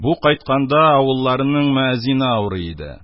Бу кайтканда, авылларының мөәзине авырый иде,